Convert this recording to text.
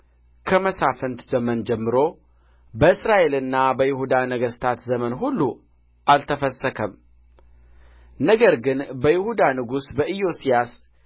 ከመሳፍንት ዘመን ጀምሮ በእስራኤልና በይሁዳ ነገሥታት ዘመን ሁሉ አልተፈሰከም ነገር ግን በይሁዳ ንጉሥ በኢዮስያስ